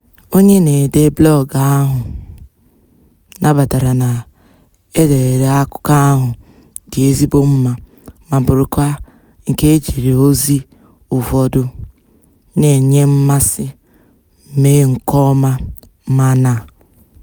Onye na-ede blọọgụ ahụ nabatara na ederede akụkọ ahụ dị ezigbo mma ma bụrụkwa nke e jiri ozi ụfọdụ na-enye mmasị mee nkeọma, mana…